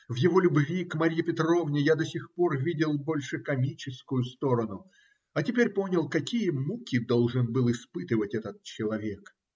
В его любви к Марье Петровне я до сих пор видел больше комическую сторону, а теперь понял, какие муки должен был испытывать этот человек.